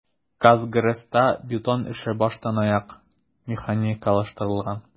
"казгрэс"та бетон эше баштанаяк механикалаштырылган.